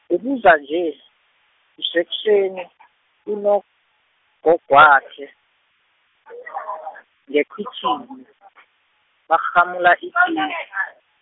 ubuza nje, kusekuseni, unogogwakhe, ngekhwitjhini, barhamula iti-.